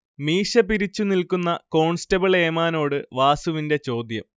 മീശ പിരിച്ചു നിൽക്കുന്ന കോൺസ്റ്റബിൾ ഏമാനോട് വാസുവിന്റെ ചോദ്യം